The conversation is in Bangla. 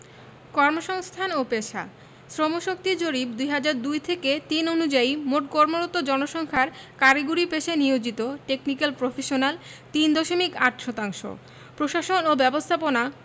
কর্মসংস্থান ও পেশাঃ শ্রমশক্তি জরিপ ২০০২ থেকে ০৩ অনুযায়ী মোট কর্মরত জনসংখ্যার কারিগরি পেশায় নিয়োজিত টেকনিকাল প্রফেশনাল ৩ দশমিক ৮ শতাংশ প্রশাসন ও ব্যবস্থাপনা